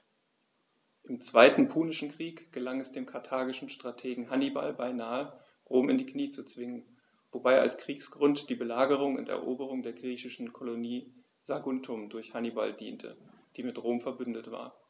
Im Zweiten Punischen Krieg gelang es dem karthagischen Strategen Hannibal beinahe, Rom in die Knie zu zwingen, wobei als Kriegsgrund die Belagerung und Eroberung der griechischen Kolonie Saguntum durch Hannibal diente, die mit Rom „verbündet“ war.